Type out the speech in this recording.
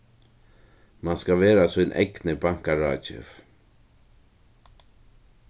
mann skal vera sín egni bankaráðgevi